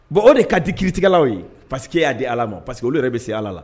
Bon o de ka di kiiritigɛlaw ye parce que e y'a di allah ma , parce que olu yɛrɛ bɛ se è èallah la.